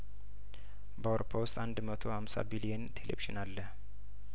በአውሮፓ ውስጥ አንድ መቶ ሀምሳ ቢሊዮን ቴሌቪዥን አለ